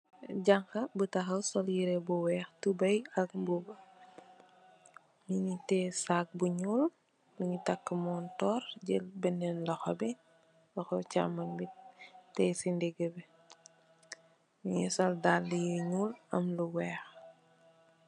Janxa bu tahaw, sol yireh bu weeh, tubeuy ak mbubu, mungi tiyee saak bu ñuul, mungi tak montoor, jel benen loxo bi, loxo chaamooñ bi, teyee si ndigi bi, mungi sol daali yu ñuul am lu weex.